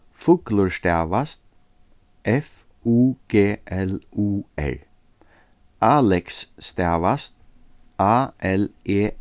fuglur stavast f u g l u r alex stavast a l e